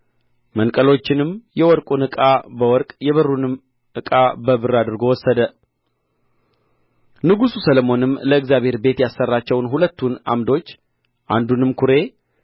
መንቀሎችንም የወርቁን ዕቃ በወርቅ የብሩንም ዕቃ በብር አድርጎ ወሰደ ንጉሡ ሰሎሞንም ለእግዚአብሔር ቤት ያሠራቸውን ሁለቱን ዓምዶች አንዱንም ኵሬ